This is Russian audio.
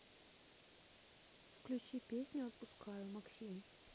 включи песню отпускаю максим